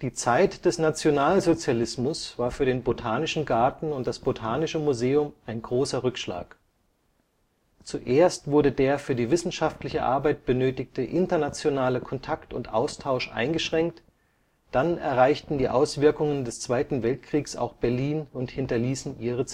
Zeit des Nationalsozialismus war für den Botanischen Garten und das Botanische Museum ein großer Rückschlag. Zuerst wurde der für die wissenschaftliche Arbeit benötigte internationale Kontakt und Austausch eingeschränkt, dann erreichten die Auswirkungen des Zweiten Weltkriegs auch Berlin und hinterließen ihre